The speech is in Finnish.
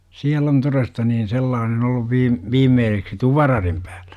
siellä on todesta niin sellainen ollut - viimeiseksi tuparadin päällä